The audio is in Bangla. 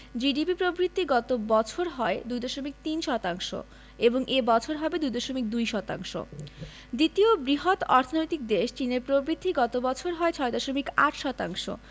জিডিপি প্রবৃদ্ধি গত বছর হয় ২.৩ শতাংশ এবং এ বছর হবে ২.২ শতাংশ দ্বিতীয় বৃহৎ অর্থনৈতিক দেশ চীনের প্রবৃদ্ধি গত বছর হয় ৬.৮ শতাংশ